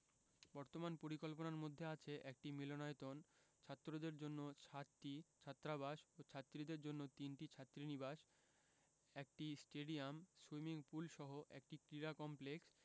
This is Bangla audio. বর্তমান পরিকল্পনার মধ্যে আছে একটি মিলনায়তন ছাত্রদের জন্য সাতটি ছাত্রাবাস ও ছাত্রীদের জন্য তিনটি ছাত্রীনিবাস একটি স্টেডিয়াম সুইমিং পুলসহ একটি ক্রীড়া কমপ্লেক্স